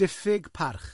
Dyffyg parch.